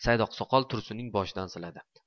saidoqsoqol tursunning boshidan siladi